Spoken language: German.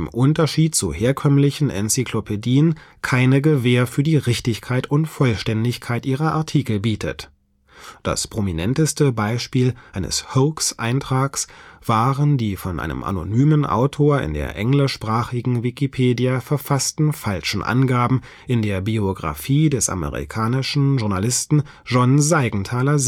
Unterschied zu herkömmlichen Enzyklopädien keine Gewähr für die Richtigkeit und Vollständigkeit ihrer Artikel bietet. Das prominenteste Beispiel eines Hoax-Eintrags waren die von einem anonymen Autor in der englischsprachigen Wikipedia verfassten falschen Angaben in der Biographie des amerikanischen Journalisten John Seigenthaler